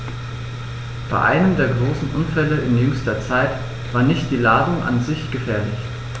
Bei einem der großen Unfälle in jüngster Zeit war nicht die Ladung an sich gefährlich.